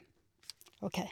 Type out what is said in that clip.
OK.